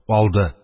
Алды.